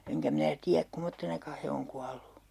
enkä minä tiedä kummoisena he on kuollut